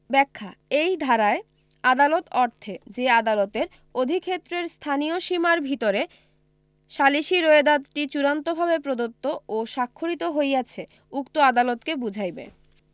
ব্যাখ্যা এই ধারায় আদালত অর্থে যে আদালতের অধিক্ষেত্রের স্থানীয় সীমার ভিতরে সালিসী রোয়েদাদটি চূড়ান্তভাবে প্রদত্ত ও স্বাক্ষরিত হইয়াছে উক্ত আদালতকে বুঝাইবে